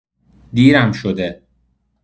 دیرم شده.